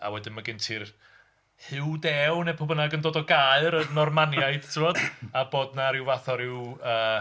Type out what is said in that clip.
A wedyn mae gen ti'r Huw Dew neu pwy bynnag yn dod o Gaer. Y Normaniaid, ti'mod, a bod 'na ryw fath o ryw yy.